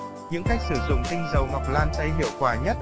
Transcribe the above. những cách sử dụng tinh dầu ngọc lan tây hiệu quả nhất